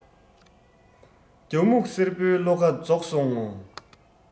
རྒྱ སྨྱུག སེར པོའི བློ ཁ རྫོགས སོང ངོ